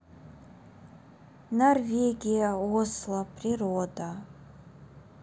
норвегия осло природа